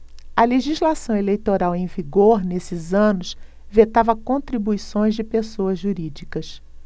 a legislação eleitoral em vigor nesses anos vetava contribuições de pessoas jurídicas